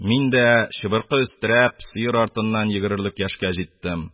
Мин дә чыбыркы өстерәп, сыер артыннан йөгерерлек яшькә җиттем